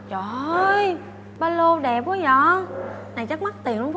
trời ơi ba lô đẹp quá dợ này chắc mắc tiền lắm